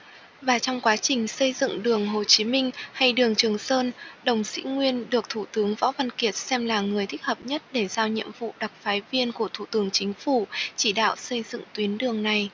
và trong quá trình xây dựng đường hồ chí minh hay đường trường sơn đồng sĩ nguyên được thủ tướng võ văn kiệt xem là người thích hợp nhất để giao nhiệm vụ đặc phái viên của thủ tướng chính phủ chỉ đạo xây dựng tuyến đường này